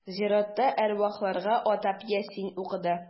Зиратта әрвахларга атап Ясин укыды.